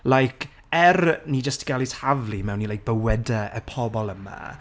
Like, er ni jyst 'di cal ei taflu mewn i like, bywyde y pobl yma,